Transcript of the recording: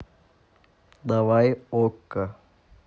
давай okko